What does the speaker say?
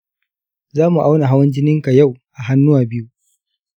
za mu auna hawan jininki yau a hannuwa biyu.